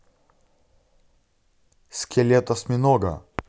скелет осьминога